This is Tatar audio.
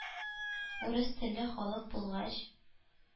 «урыс телле халык» булгач,